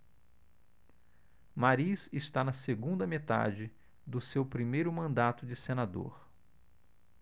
mariz está na segunda metade do seu primeiro mandato de senador